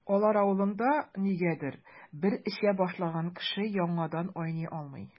Алар авылында, нигәдер, бер эчә башлаган кеше яңадан айный алмый.